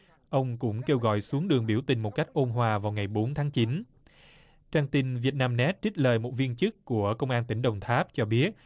ông cũng kêu gọi xuống đường biểu tình một cách ôn hòa vào ngày bốn tháng chín trang tin việt nam nét trích lời một viên chức của công an tỉnh đồng tháp cho biết